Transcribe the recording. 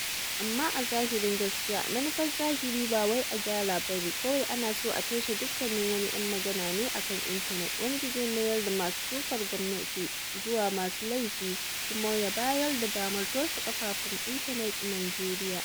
Amma a zahirin gaskiya manufar zahiri ba wai a gyara ba ne, kawai ana so a toshe dukkanin wani 'yan magana ne a kan intanet, wanda zai mayar da masu sukar gwamnati zuwa masu laifi kuma ya bayar da damar toshe kafafen intanet a Najeriya.